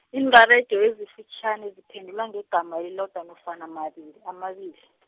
iinrarejo ezifitjhani ziphendulwa ngegama elilodwa nofana mabili, amabili .